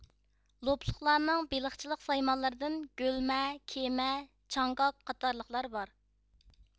لوپلۇقلارنىڭ بېلىقچىلىق سايمانلىرىدىن گۆلمە كېمە چاڭگاق قاتارلىقلار بار